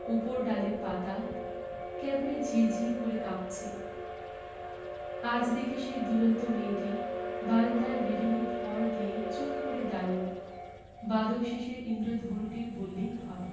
উপরডালের পাতা কেবলি ঝির ঝির করে কাঁপছে আজ দেখি সেই দূরন্ত মেয়েটি বারান্দায় রেলিঙে ভর দিয়ে চুপ করে দাঁড়িয়ে বাদলশেষের ঈন্দ্রধনুটি বললেই হয়